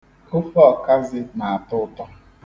Ofe ọkazị na-atọ ụtọ.